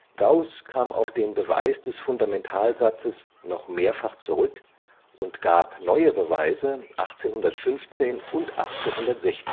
Gauß kam auf den Beweis des Fundamentalsatzes noch mehrfach zurück und gab neue Beweise 1815 und 1816